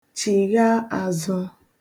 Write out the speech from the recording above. Chighaa azụ.